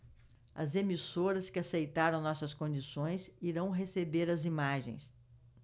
as emissoras que aceitaram nossas condições irão receber as imagens